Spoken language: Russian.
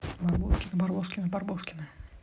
барбоскины барбоскины барбоскины